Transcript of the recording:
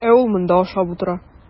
Ә ул монда ашап утыра.